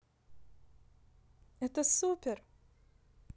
это супер